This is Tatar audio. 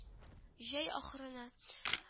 Җәй ахырына